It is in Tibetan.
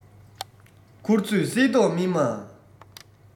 མཁུར ཚོས སིལ ཏོག སྨིན མ